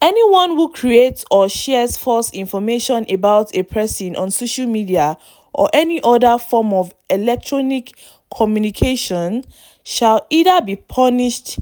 Anyone who creates or shares false information about a person on social media or any other form of electronic communication shall either be punished